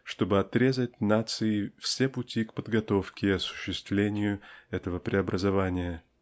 чтобы отрезать нации все пути к подготовке и осуществлению этого преобразования.